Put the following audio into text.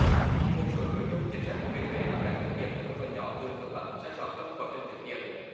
một số nội dung chính sách về thuế mà các doanh nghiệp vừa và nhỏ thường vướng mắc sai sót trong quá trình thực hiện